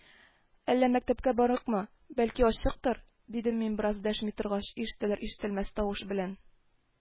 - әллә мәктәпкә барыйкмы, бәлки ачыктыр?! - дидем мин бераз дәшми торгач, ишетелер-ишетелмәс тавыш белән